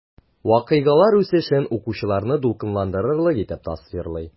Вакыйгалар үсешен укучыларны дулкынландырырлык итеп тасвирлый.